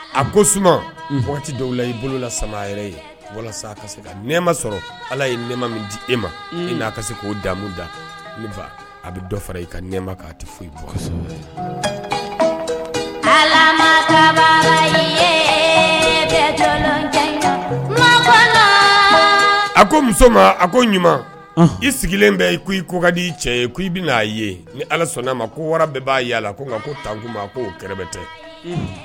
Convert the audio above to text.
A ko tɛ dɔw la i bolola sama yɛrɛ ye walasa kama sɔrɔ ala ye nɛma min di e ma ia se k'o damu da fa a bɛ dɔ fara i ka ɲɛma tɛ foyi ala a ko muso a ko ɲuman i sigilen bɛ i i ko ka di i cɛ ye ko i bɛ'a ye ni ala sɔnna'a ma ko wara bɛɛ b'a yala la nka ko tan tɛ